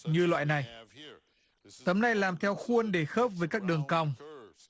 như loại này tấm này làm theo khuôn để khớp với các đường cong